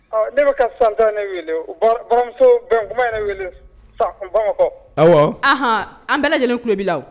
Ɔ ne bɛka ka santan ne welemuso bɛn kuma ne wele sa bamakɔhan an bɛɛ lajɛlen tulobi la